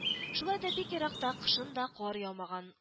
Шулай да бик еракта кышын да кар яумаган